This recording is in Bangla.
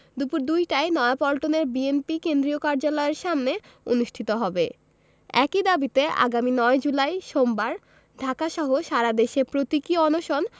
দুপুর দুইটায় নয়াপল্টনের বিএনপি কেন্দ্রীয় কার্যালয়ের সামনে অনুষ্ঠিত হবে একই দাবিতে আগামী ৯ জুলাই সোমবার ঢাকাসহ সারাদেশে প্রতীকী অনশন